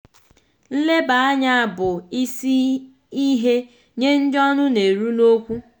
Nleba anya bụ isi ihe nye ndị ọnụ na-eru n'okwu.